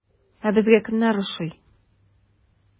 Ә безгә кемнәр ошый?